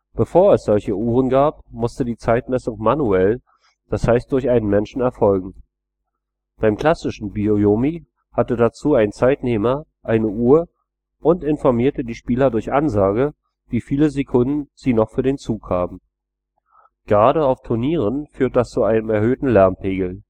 Bevor es solche Uhren gab, musste die Zeitmessung manuell, das heißt durch einen Menschen, erfolgen. Beim klassischen Byo-Yomi hatte dazu ein Zeitnehmer eine Uhr und informierte die Spieler durch Ansage, wie viele Sekunden sie noch für den Zug haben. Gerade auf Turnieren führte das zu einem erhöhten Lärmpegel